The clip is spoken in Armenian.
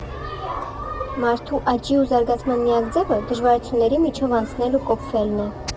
Մարդու աճի ու զարգացման միակ ձևը դժվարությունների միջով անցնելն ու կոփվելն է։